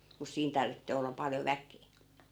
mutta siinä tarvitsee olla paljon väkeä